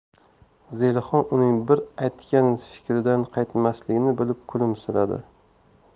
zelixon uning bir aytgan fikridan qaytmasligini bilib kulimsiradi